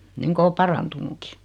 niin kuin on parantunutkin